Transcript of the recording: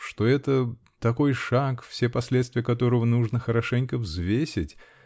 что это -- такой шаг, все последствия которого нужно хорошенько взвесить